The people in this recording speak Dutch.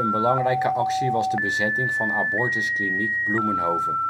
belangrijke actie was de bezetting van abortuskliniek Bloemenhoeve